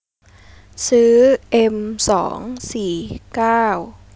ซื้อเอ็มสองสี่เก้า